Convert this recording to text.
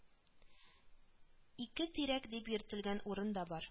Ике тирәк дип йөртелгән урын да бар